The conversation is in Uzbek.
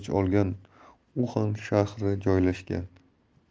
pnevmoniya avj olgan uxan shahri joylashgan